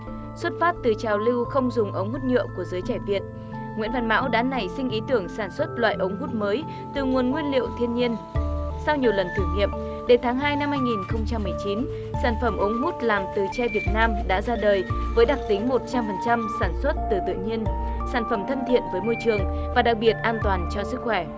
xuất phát từ trào lưu không dùng ống hút nhựa của giới trẻ việt nguyễn văn mão đã nảy sinh ý tưởng sản xuất loại ống hút mới từ nguồn nguyên liệu thiên nhiên sau nhiều lần thử nghiệm đến tháng hai năm hai nghìn không trăm mười chín sản phẩm ống hút làm từ tre việt nam đã ra đời với đặc tính một trăm phần trăm sản xuất từ tự nhiên sản phẩm thân thiện với môi trường và đặc biệt an toàn cho sức khỏe